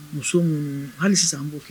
Muso hali sisan an b'o kɛ